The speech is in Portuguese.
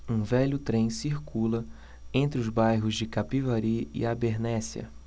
um velho trem circula entre os bairros de capivari e abernéssia